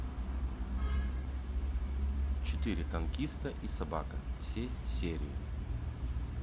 четыре танкиста и собака все серии